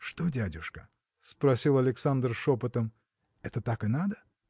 – Что, дядюшка, – спросил Александр шепотом, – это так и надо?